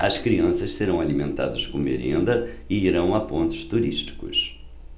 as crianças serão alimentadas com merenda e irão a pontos turísticos